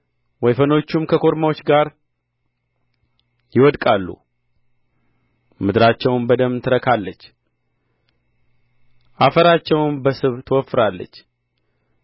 ወይፈኖችም ከኮርማዎች ጋር ይወድቃሉ ምድራቸውም በደም ትረካለች አፈራቸውም በስብ ትወፍራለች